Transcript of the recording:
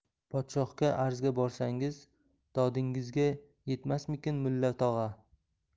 podshohga arzga borsangiz dodingizga yetmasmikin mulla tog'a